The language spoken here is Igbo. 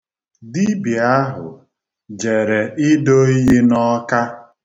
Dibịa ahụ jere ido iyi n'Ọka.